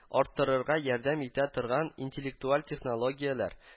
Арттырырга ярдәм итә торган интеллектуаль технологияләр